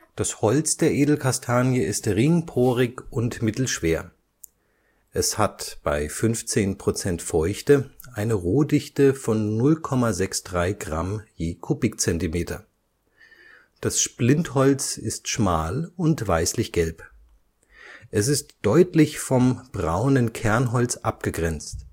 Das Holz der Edelkastanie ist ringporig und mittelschwer. Es hat eine Rohdichte (bei 15 Prozent Feuchte) von 0,63 Gramm je Kubikzentimeter. Das Splintholz ist schmal und weißlich gelb. Es ist deutlich vom braunen Kernholz abgegrenzt